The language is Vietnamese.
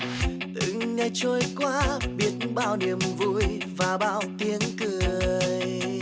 từng ngày trôi qua biết bao niềm vui và bao tiếng cười